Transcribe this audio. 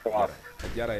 a diyara n ye